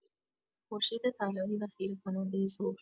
خورشید طلایی و خیره‌کنندۀ ظهر